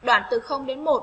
đoạn từ đến